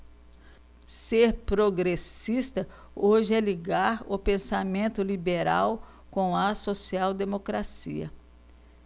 ser progressista hoje é ligar o pensamento liberal com a social democracia